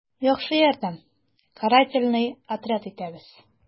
«яхшы ярдәм, карательный отряд илтәбез...»